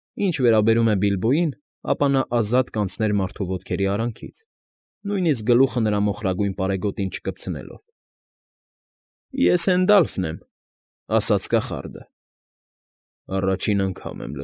Ինչ վերաբերում է Բիլբոյին, ապա նա ազատ կանցներ մարդու ոտքերի արանքից, նույնիսկ գլուխը նրա մոխրագույն պարետոգին չկպցնելով։ ֊ Ես Հենդալֆն եմ,֊ ասաց կախարդը։ ֊ Առաջին անգամ եմ։